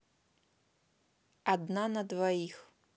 одна на двоих